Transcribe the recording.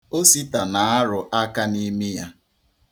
Osita na-arụ aka n'imi ya.